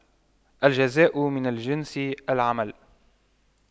الجزاء من جنس العمل